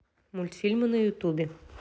мультфильмы на ютубе